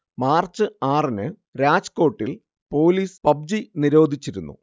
March ആറിന് രാജ് കോട്ടിൽ പൊലീസ് പബ്ജി നിരോധിച്ചിരുന്നു